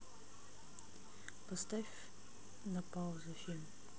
поставь на паузу фильм